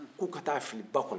k'u ka taa a fili ba kɔnɔ